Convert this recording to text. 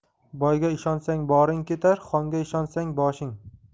boyga ishonsang boring ketar xonga ishonsang boshing